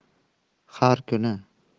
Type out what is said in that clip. har kuni